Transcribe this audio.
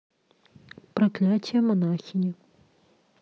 проклятие монахини